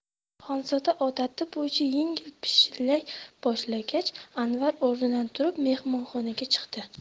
xonzoda odati bo'yicha yengil pishillay boshlagach anvar o'rnidan turib mehmonxonaga chiqdi